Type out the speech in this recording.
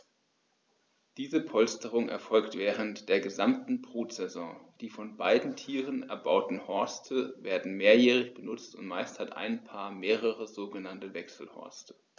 Diese Polsterung erfolgt während der gesamten Brutsaison. Die von beiden Tieren erbauten Horste werden mehrjährig benutzt, und meist hat ein Paar mehrere sogenannte Wechselhorste.